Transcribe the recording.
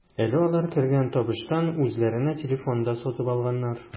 Әле алар кергән табыштан үзләренә телефон да сатып алганнар.